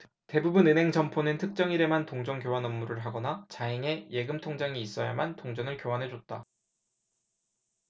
대부분 은행 점포는 특정일에만 동전 교환 업무를 하거나 자행의 예금통장이 있어야만 동전을 교환해줬다